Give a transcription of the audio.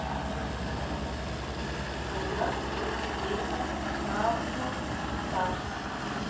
angar против дерева бравл старс